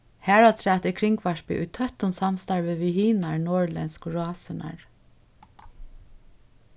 harafturat er kringvarpið í tøttum samstarvi við hinar norðurlendsku rásirnar